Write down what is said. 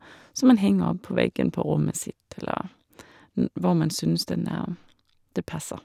Som man henger opp på veggen på rommet sitt eller n hvor man synes den er det passer.